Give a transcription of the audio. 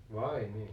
vai niin